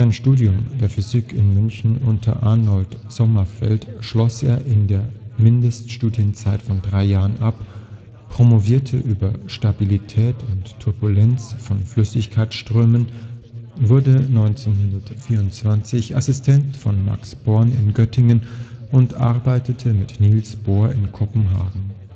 Studium der Physik in München unter Arnold Sommerfeld schloss er in der Mindeststudienzeit von drei Jahren ab, promovierte über Stabilität und Turbulenz von Flüssigkeitsströmen, wurde 1924 Assistent von Max Born in Göttingen und arbeitete mit Niels Bohr in Kopenhagen